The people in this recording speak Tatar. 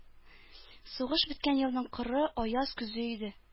Сугыш беткән елның коры, аяз көзе иде.